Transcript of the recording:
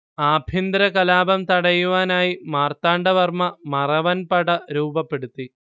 ആഭ്യന്തര കലാപം തടയുവാനായി മാർത്താണ്ഡവർമ മറവൻപട രൂപപ്പെടുത്തി